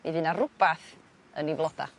mi fy' 'na rwbath yn 'i floda.